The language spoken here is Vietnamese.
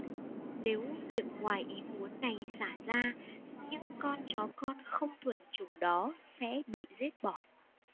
nếu việc ngoài ý muốn này xả ra những con chó con không thuần chủng đó sẽ bị giết bỏ